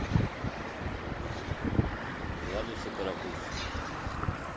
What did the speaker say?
владус и карапуз